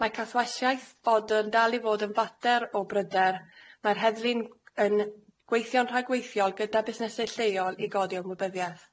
Mae cathwasiaeth fod yn dal i fod yn fater o bryder, mae'r heddlu yn gweithio'n rhagweithiol gyda busnesau lleol i godi ymwybyddiaeth.